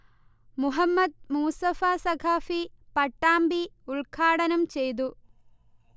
മുഹമ്മ്ദ് മൂസ്ഫ സഖാഫി പട്ടാമ്പി ഉൽഘാടനം ചെയ്തു